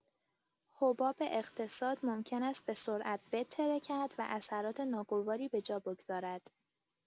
حباب اقتصاد ممکن است به‌سرعت بترکد و اثرات ناگواری به جا بگذارد.